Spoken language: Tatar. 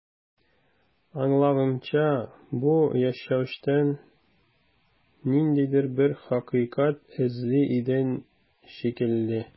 Аңлавымча, бу яшәештән ниндидер бер хакыйкать эзли идең шикелле.